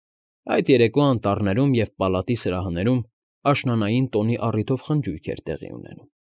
Այդ երեկո անտառներում և պալատի սրահներում աշնանային տոնի առթիվ խնջույք էր տեղի ունենում։